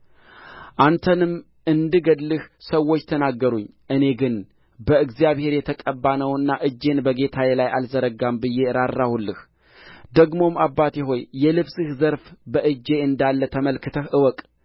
አንተንም እንድገድልህ ሰዎች ተናገሩኝ እኔ ግን በእግዚአብሔር የተቀባ ነውና እጄን በጌታዬ ላይ አልዘረጋም ብዬ ራራሁልህ ደግሞም አባቴ ሆይ